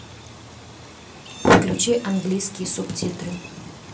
включи английские субтитры